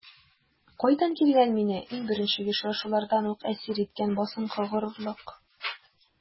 Кайдан килгән мине иң беренче очрашулардан үк әсир иткән басынкы горурлык?